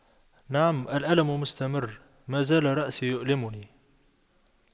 نعم الألم مستمر مازال رأسي يؤلمني